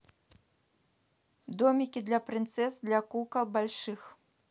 домики для принцесс для кукол больших